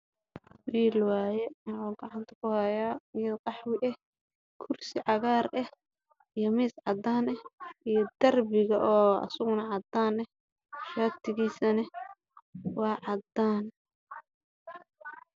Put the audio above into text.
Meeshaan waxaa fadhiyo nin wata shati buluug ah waxa uu gacanta ku hayaa wax u ah waxaana horyaal miis caddeys ah